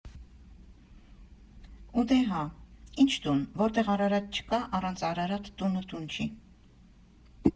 Ու դե հա, ի՞նչ տուն, որտեղ Արարատ չկա, առանց Արարատ՝ տունը Տուն չի։